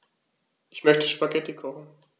Ich möchte Spaghetti kochen.